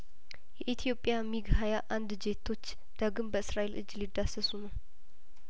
የኢትዮጵያ ሚግ ሀያአንድ ጄቶች ዳግም በእስራኤል እጅ ሊዳሰሱ ነው